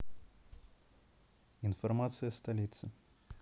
информация столицы